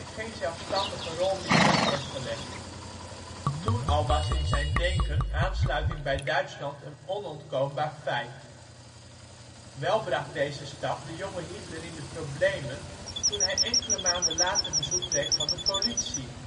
geen zelfstandige rol meer zag weggelegd; toen al was in zijn denken aansluiting bij Duitsland een onontkoombaar feit. Wel bracht deze stap de jonge Hitler in de problemen toen hij enkele maanden later bezoek kreeg van de politie